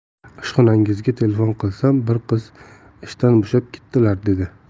ishxonangizga telefon qilsam bir qiz ishdan bo'shab ketdilar dedi